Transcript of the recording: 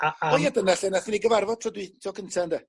A a... O ie dyna lle nathon ni gyfarfod tro dwi- tro cynta ynde?